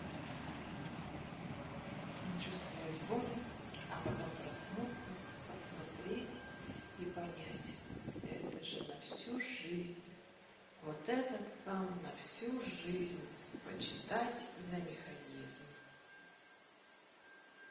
не чувствовать боли а потом проснуться посмотреть и понять это же на всю жизнь вот этот сам на всю жизнь почитать за механизм